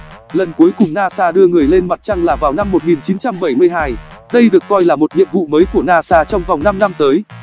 lần cuối cùng nasa đưa người lên mặt trăng là vào năm đây được coi là một nhiệm vụ mới của nasa trong vòng năm tới